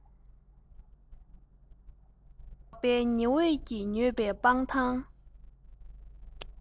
ཞོགས པའི ཉི འོད ཀྱིས མྱོས པའི སྤང ཐང